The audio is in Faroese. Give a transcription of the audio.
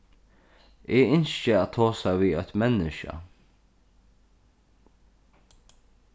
eg ynski at tosa við eitt menniskja